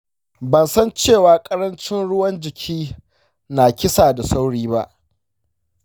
ban san cewa ƙarancin ruwan-jiki na kisa da sauri ba.